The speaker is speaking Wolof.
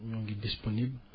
ñoo ngi disponible